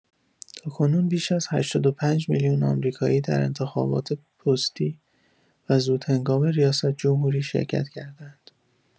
تاکنون بیش از ۸۵ میلیون آمریکایی در انتخابات پستی و زودهنگام ریاست‌جمهوری شرکت کرده‌اند.